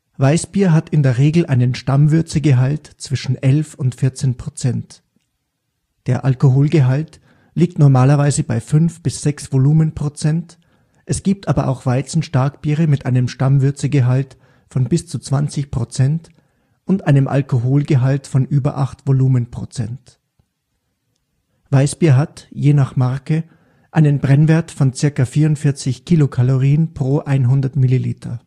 Weißbier hat in der Regel einen Stammwürzegehalt zwischen elf und 14 Prozent. Der Alkoholgehalt liegt normalerweise bei fünf bis sechs Volumenprozent (Abkürzung: % vol). Es gibt aber auch Weizenstarkbiere mit einem Stammwürzegehalt von bis zu 20 Prozent und einem Alkoholgehalt von über acht Volumenprozent. Weißbier hat - je nach Marke - einen Brennwert von circa 44 kcal pro 100 ml